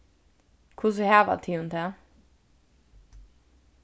hvussu hava tygum tað